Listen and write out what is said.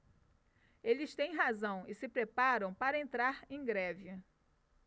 eles têm razão e se preparam para entrar em greve